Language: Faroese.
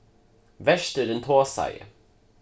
verturin tosaði